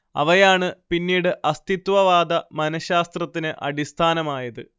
അവയാണ് പിന്നീട് അസ്തിത്വവാദ മനശാസ്ത്രത്തിന് അടിസ്ഥാനമായത്